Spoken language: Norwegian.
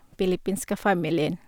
Filippinske familien.